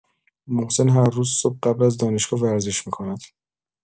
محسن هر روز صبح قبل از دانشگاه ورزش می‌کند.